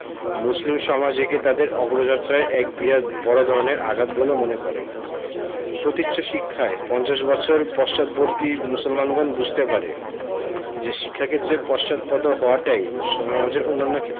মুসলমান সমাজ একে তাদের অগ্রযাত্রায় এক বিরাট বড় ধরনের আঘাত বলে মনে করে প্রতীচ্য শিক্ষায় পঞ্চাশ বছর পশ্চাদ্বর্তী মুসলমানগণ বুঝতে পারে যে শিক্ষাক্ষেত্রে পশ্চাৎপদ হওয়াটাই সমাজের অন্যান্য